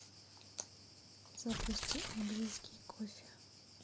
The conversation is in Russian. запусти английский кофе